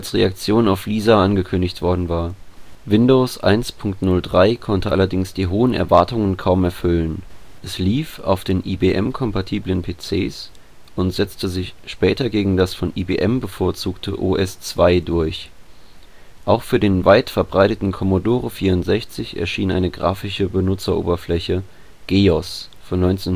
Reaktion auf Lisa angekündigt worden war. Windows 1.03 konnte allerdings die hohen Erwartungen kaum erfüllen. Es lief auf den IBM-kompatiblen PCs und setzte sich später gegen das von IBM bevorzugte OS/2 durch. Auch für den weit verbreiteten Commodore 64 erschien eine grafische Benutzeroberfläche, GEOS von 1986